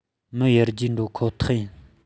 མི ཡར རྒྱས འགྲོ ཁོ ཐག ཡིན